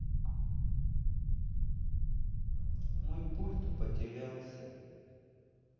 мой пульт потерялся